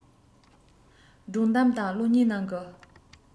སྒྲུང གཏམ དང གློག བརྙན ནང གི